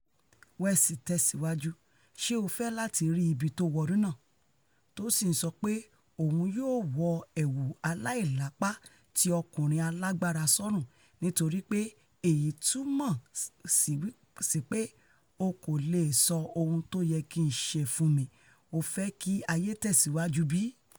West tẹ̀síwájú: ''Ṣe o fẹ́ láti rí ibi tójìnwọnú náà?'' tó sì ńsọ pé òun yóò ''wọ ẹ̀wù aláìlápá ti ọkùnrin alágbára sọ́rùn, nítorípe èyí túmọ̀ sípé ò kò leè sọ ohun tóyẹ kí ńṣe fúnmi. Ó fẹ́ kí ayé tẹ̀síwájú bí?